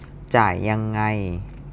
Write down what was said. จ่ายยังไง